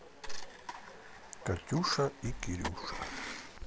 катюша и кирюша